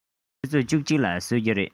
ཆུ ཚོད བཅུ གཅིག ལ གསོད ཀྱི རེད